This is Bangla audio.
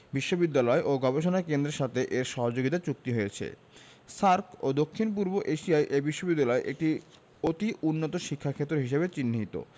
বিশ্ববিদ্যালয় ও গবেষণা কেন্দ্রের সাথে এর সহযোগিতা চুক্তি হয়েছে স্রাক ও দক্ষিণ পূর্ব এশিয়ায় এ বিশ্ববিদ্যালয় একটি অতি উন্নত শিক্ষাক্ষেত্র হিসেবে চিহ্নিত